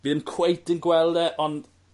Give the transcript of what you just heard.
fi ddim cweit yn gweld e ond